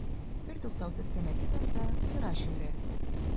Бертуктаусыз тәмәке тарта, сыра чөмерә.